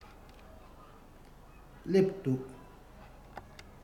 སླེབས འདུག